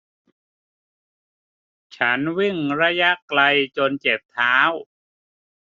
ฉันวิ่งระยะไกลจนเจ็บเท้า